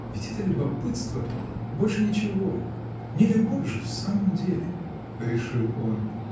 Ведь это любопытство — больше ничего: не любовь же в самом деле!. — решил он.